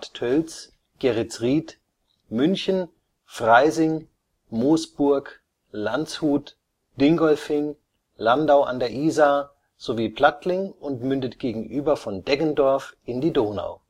Tölz, Geretsried, München, Freising, Moosburg, Landshut, Dingolfing, Landau an der Isar sowie Plattling und mündet gegenüber von Deggendorf in die Donau